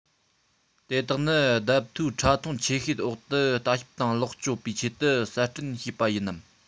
དེ དག ནི ལྡབ མཐོའི ཕྲ མཐོང ཆེ ཤེལ འོག ཏུ ལྟ ཞིབ དང ལོངས སྤྱོད པའི ཆེད དུ གསར སྐྲུན བྱས པ ཡིན ནམ